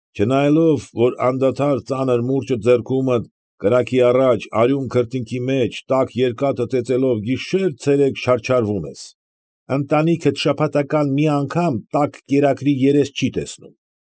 Չնայելով, որ անդադար ծանր մուրճը ձեռքումդ, կրակի առաջ, ռաջ, արյուն քրտնքի մեջ, տաք երկաթը ծեծելով գիշեր֊ցերեկ չարչարվում ես ֊ ընտանիքդ շաբաթական մի անգամ տաք կերակրի երես չի տեսնում։